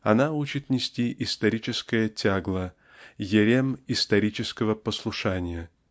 она учит нести историческое тягло, ярем исторического послушания